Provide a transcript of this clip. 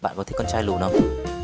bạn có thích con trai lùn không